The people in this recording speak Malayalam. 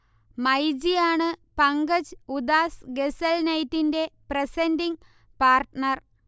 മൈജി ആണ് പങ്കജ് ഉധാസ് ഗസൽ നൈറ്റിന്റെ പ്രസന്റിംഗ് പാർട്ണർ